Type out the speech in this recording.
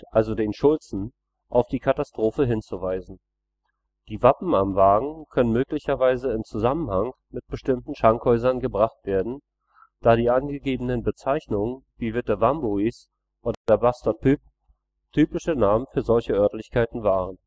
also den Schulzen, auf die Katastrophe hinzuweisen. Die Wappen am Wagen können möglicherweise in Zusammenhang mit bestimmten Schankhäusern gebracht werden, da die angegebenen Bezeichnungen wie Witte Wambuis oder Bastart Pyp typische Namen für solche Örtlichkeiten waren